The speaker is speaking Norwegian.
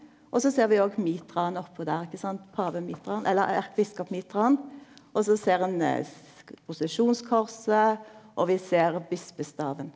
og så ser vi òg mitraen oppå og der ikkje sånt pavemitraen eller biskopmitraen og så ser han posisjonskorset og vi ser bispestaven.